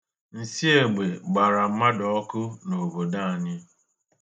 Nsiegbe gbara mmadụ ọku n'obodo anyị.